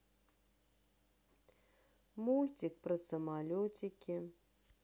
мультик про самолетики